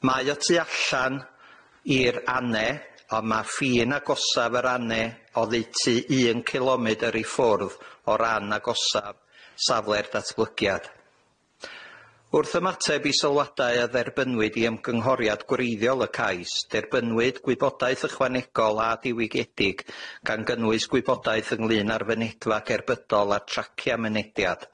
Mae y tu allan i'r ane ond ma' ffin agosaf yr ane oddeutu un cilomedyr i ffwrdd o ran agosaf, safle'r datblygiad. Wrth ymateb i sylwadau a dderbynwyd i ymgynghoriad gwreiddiol y cais, derbynwyd gwybodaeth ychwanegol a diwygiedig, gan gynnwys gwybodaeth ynglŷn â'r fynedfa gerbydol a tracia mynediad.